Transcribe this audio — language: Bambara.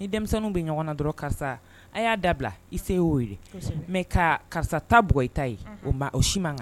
Ni denmisɛnnin bɛ ɲɔgɔnna dɔrɔn karisa a y'a dabila i se y'o weele mɛ ka karisa ta bug ita ye o ma o si ma kan